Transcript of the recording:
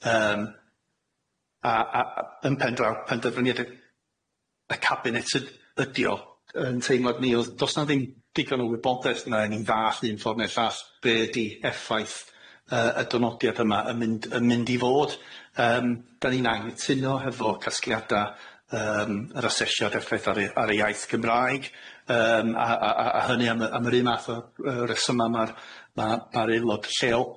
Yym a a yy yn pen draw penderfyniad y cabinet yd- ydi o 'yn teimlad ni o'dd do's na ddim digon o wybodaeth yna i ni ddalld un ffor neu'r llall be' 'di effaith yy y dynodiad yma yn mynd yn mynd i fod yym 'dan ni'n angytuno hefo casgliada yym yr aseshiad effaith ar y ar y iaith Gymraeg yym a a a a hynny am y am yr un math o yy resyma ma'r ma' ma'r ma'r eulod lleol